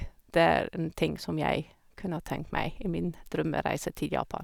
Det er en ting som jeg kunne ha tenkt meg i min drømmereise til Japan.